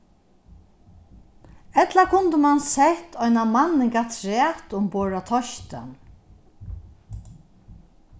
ella kundi mann sett eina manning afturat umborð á teistan